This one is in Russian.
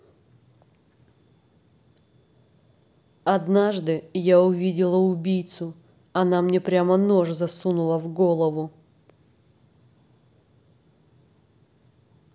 однажды я увидела убийцу она мне прямо нож засунула в голову